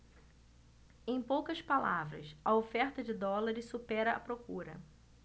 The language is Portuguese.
em poucas palavras a oferta de dólares supera a procura